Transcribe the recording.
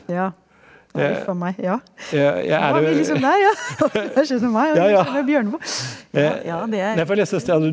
ja nei huff a meg ja, nå er vi litt sånn der ja hva har skjedd med meg Bjørneboe ja ja det er.